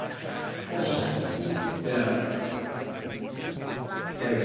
Na, that's confusing. Ia. Ia ag